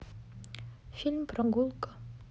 фильм прогулка